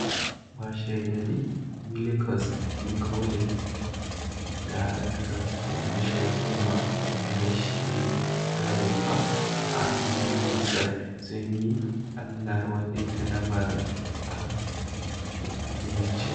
Washegari, Milos Nikolic, daraktan ofishin Roma na shigarwa a Noɓi Sad, sun yi allawadai da lamarin a hukumance.